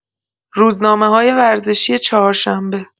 روزنامه‌های ورزشی چهارشنبه